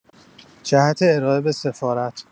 جهت ارائه به سفارت